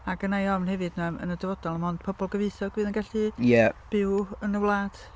A genna i ofn hefyd 'na yn y dyfodol mond pobl gyfoethog fydd yn gallu... Ie... byw yn y wlad.